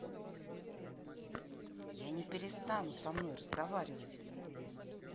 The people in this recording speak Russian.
я не перестану со мной разговаривать